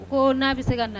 Ko n'a bi se ka na